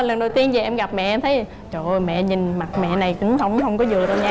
lần đầu tiên em về em gặp mẹ em thấy trời ơi mẹ nhìn mặt mẹ này cũng hông hông có dừa đâu nha